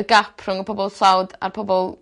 y gap rhwng y pobol tlawd a'r pobol